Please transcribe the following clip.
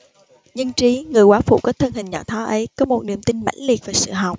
dân trí người góa phụ có thân hình nhỏ thó ấy có một niềm tin mãnh liệt vào sự học